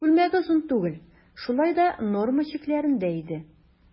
Күлмәге озын түгел, шулай да норма чикләрендә иде.